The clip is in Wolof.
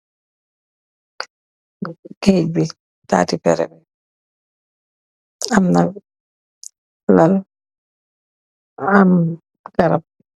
Keyt bi tati garabi amna laal nga am darap.